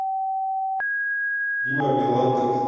дима билан такси